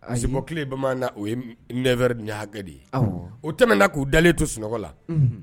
Si kelen bamanan na o ye ne hakɛ de ye o tɛm k'u dalen to sunɔgɔ la